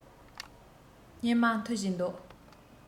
སྙེ མ འཐུ བཞིན འདུག